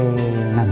làm